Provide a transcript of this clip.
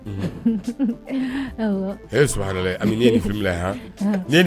Ee awɔ. E subhanalahi a bɛ yɛlɛ han !